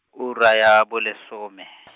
ura ya bolesome .